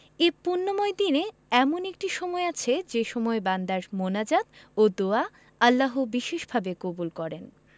এ পুণ্যময় দিনে এমন একটি সময় আছে যে সময় বান্দার মোনাজাত ও দোয়া আল্লাহ বিশেষভাবে কবুল করেন